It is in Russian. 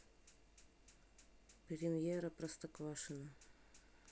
премьера простоквашино